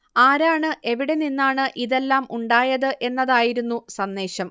ആരാണ് എവിടെ നിന്നാണ് ഇതെല്ലാം ഉണ്ടായത് എന്നതായിരുന്നു സന്ദേശം